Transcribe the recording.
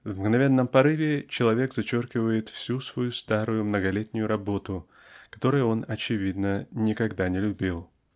-- в мгновенном порыве человек зачеркивает всю свою старую многолетнюю работу которой он очевидно никогда не любил.